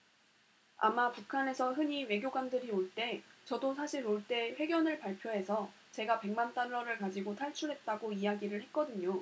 아마 북한에서 흔히 외교관들이 올 때 저도 사실 올 때 회견을 발표해서 제가 백 만 달러를 가지고 탈출했다고 이야기를 했거든요